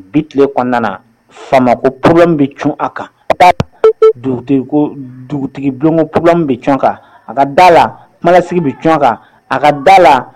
Bi ko bɛ kan dugutigi dugutigiko bɛ kan bɛ kan